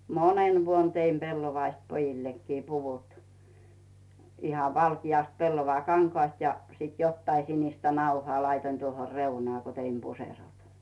monena vuonna tein pellavasta pojillekin puvut ihan valkeasta pellavakankaasta ja sitten jotakin sinistä nauhaa laitoin tuohon reunaan kun tein puserot